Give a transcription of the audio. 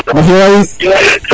namfio waay